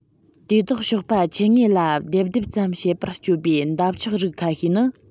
དེ དག གཤོག པ ཆུ ངོས ལ རྡེབ རྡེབ ཙམ བྱེད པར སྤྱོད པའི འདབ ཆགས རིགས ཁ ཤས ནི